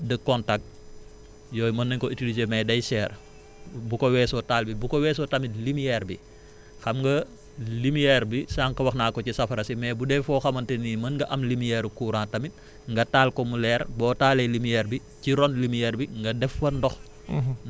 de contact yooyu mën nañu ko utiliser mais day cher bu ko weesoo taal bi bu ko weesoo tamit lumière bi xam nga lumière bi sànq wax naa ko ci safara si mais bu dee foo xamante ni mën nga am lumière de courant tamit nga taal ko mu leer boo taalee lumière bi ci ron lumière bi nga def fa ndox